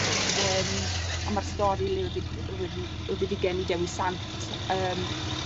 yym a ma'r stori le odd 'i 'di odd e 'di odd 'i 'di geni Dewi Sant yym